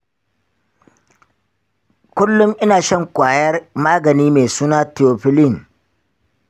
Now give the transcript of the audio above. kullum ina shan kwayar magani mai suna theophylline.